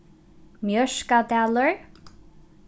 mjørkadalur